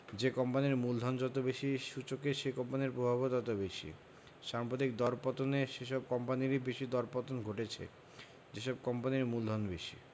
যে কোম্পানির মূলধন যত বেশি সূচকে সেই কোম্পানির প্রভাবও তত বেশি সাম্প্রতিক দরপতনে সেসব কোম্পানিরই বেশি দরপতন ঘটেছে যেসব কোম্পানির মূলধন বেশি